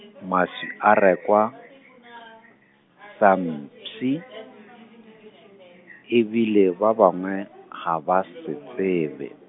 maswi a rekwa, sampshi, e bile ba bangwe, ga ba se tsebe.